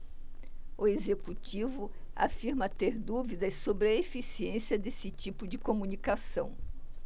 o executivo afirma ter dúvidas sobre a eficiência desse tipo de comunicação